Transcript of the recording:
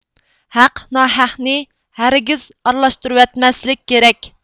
ھەق ناھاقنى ھەرگىز ئارىلاشتۇرۇۋەتمەسلىك كېرەك